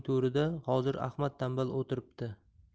to'rida hozir ahmad tanbal o'tiribdi